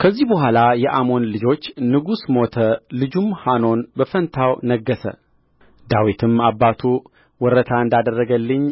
ከዚህ በኋላ የአሞን ልጆች ንጉሥ ሞተ ልጁም ሐኖን በፋንታው ነገሠ ዳዊትም አባቱ ወረታ እንዳደረገልኝ